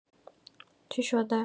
چی شده